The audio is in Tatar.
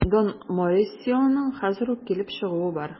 Дон Морисионың хәзер үк килеп чыгуы бар.